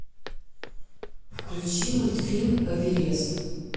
включи мультфильм эверест